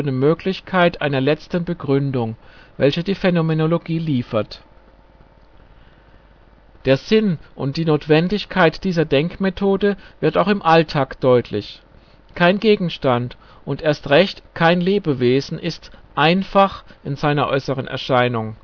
Möglichkeit einer letzten Begründung, welche die Phänomenologie liefert. Der Sinn und die Notwendigkeit dieser Denkmethode wird auch im Alltag deutlich. Kein Gegenstand und erst recht kein Lebewesen ist " einfach " in seiner äußeren Erscheinung